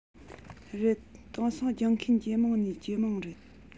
རེད དེང སང སྦྱོང མཁན ཇེ མང ནས ཇེ མང རེད